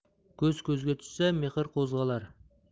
ko'z ko'zga tushsa mehr qo'zg'alar